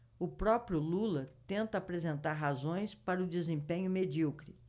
o próprio lula tenta apresentar razões para o desempenho medíocre